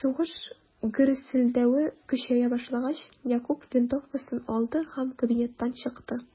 Сугыш гөрселдәве көчәя башлагач, Якуб винтовкасын алды һәм кабинеттан чыкты.